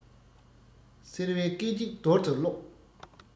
སེར བས སྐད ཅིག རྡུལ དུ རློག